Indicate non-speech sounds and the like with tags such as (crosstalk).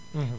(hesitation) (hesitation)